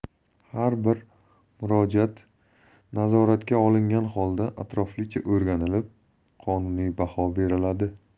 har bir murojaat nazoratga olingan holda atroflicha o'rganilib qonuniy baho beriladi